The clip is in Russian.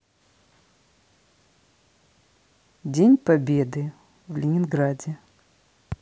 день победы в ленинграде